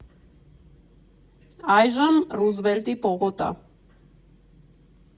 Այժմ՝ Ռուզվելտի պողոտա։